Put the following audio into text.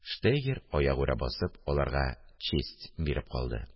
Штейгер аягүрә басып, аларга честь биреп калды